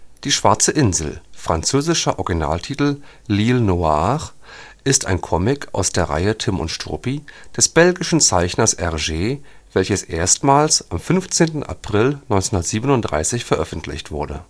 Die schwarze Insel (französischer Originaltitel: L'Île Noire) ist ein Comic aus der Reihe Tim und Struppi des belgischen Zeichners Hergé, welches erstmals am 15. April 1937 veröffentlicht wurde